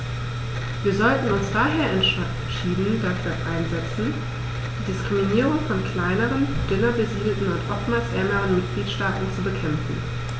Wir sollten uns daher entschieden dafür einsetzen, die Diskriminierung von kleineren, dünner besiedelten und oftmals ärmeren Mitgliedstaaten zu bekämpfen.